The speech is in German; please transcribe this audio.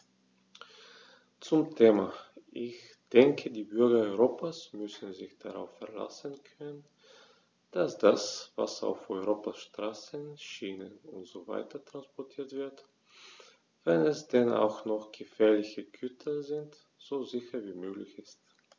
Zum Thema: Ich denke, die Bürger Europas müssen sich darauf verlassen können, dass das, was auf Europas Straßen, Schienen usw. transportiert wird, wenn es denn auch noch gefährliche Güter sind, so sicher wie möglich ist.